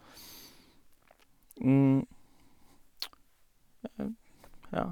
Ja.